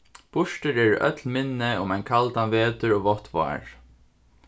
burtur eru øll minni um ein kaldan vetur og vátt vár